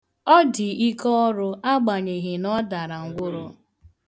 Ọ dị ike ọrụ agbanyeghi na ọ dara ngwụrọ